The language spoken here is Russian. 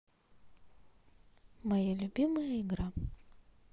моя любимая игра